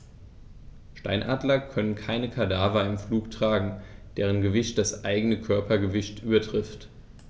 Steinadler können keine Kadaver im Flug tragen, deren Gewicht das eigene Körpergewicht übertrifft.